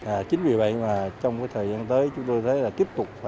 hà chính vì vậy mà trong cái thời gian tới chúng tôi ấy tiếp tục